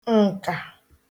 ǹkà